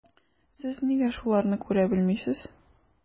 Сез нигә шуларны күрә белмисез?